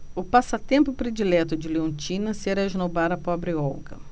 o passatempo predileto de leontina será esnobar a pobre olga